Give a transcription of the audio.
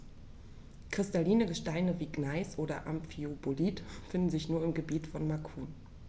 Kristalline Gesteine wie Gneis oder Amphibolit finden sich nur im Gebiet von Macun.